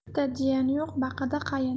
itda jiyan yo'q baqada qayin